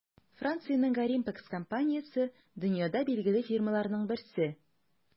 Франциянең Gorimpex компаниясе - дөньяда билгеле фирмаларның берсе.